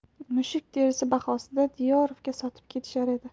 mushuk terisi bahosida diyorovga sotib ketishar edi